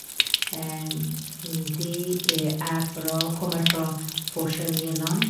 De er fra kommer fra forskjellige land.